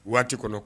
Waati kɔnɔ